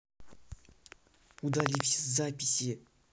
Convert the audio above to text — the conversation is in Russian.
удали все записи